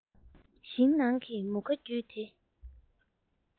ཞིང ནང གི མུ ཁ བརྒྱུད དེ